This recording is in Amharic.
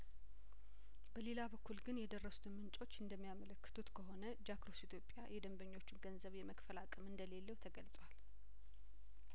በሌላ በኩል ግን የደረሱትን ምንጮች እንደሚያመለክቱት ከሆነ ጃክሮስ ኢትዮጵያ የደንበኞቹን ገንዘብ የመክፈል አቅም እንደሌለው ተገልጿል